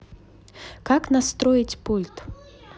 как настроить пульт